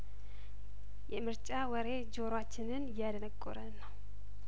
የምርጫ ወሬ ጆሮአችንን እያደነ ቆረን ነው